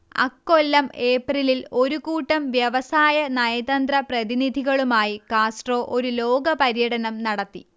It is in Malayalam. അക്കൊല്ലം ഏപ്രിലിൽ ഒരു കൂട്ടം വ്യവസായ നയതന്ത്ര പ്രതിനിധികളുമായി കാസ്ട്രോ ഒരു ലോക പര്യടനം നടത്തി